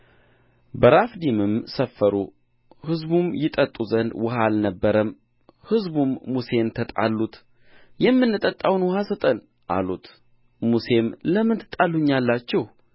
በራፊዲምም ሰፈሩ ሕዝቡም ይጠጡ ዘንድ ውኃ አልነበረም ሕዝቡም ሙሴን ተጣሉት የምንጠጣውን ውኃ ስጠን አሉት ሙሴም ለምን ትጣሉኛላችሁ